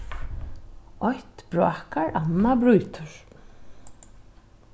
eitt brákar annað brýtur